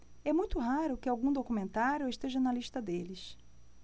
é muito raro que algum documentário esteja na lista deles